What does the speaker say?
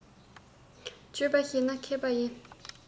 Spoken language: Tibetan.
སྤྱོད པ ཤེས ན མཁས པ ཡིན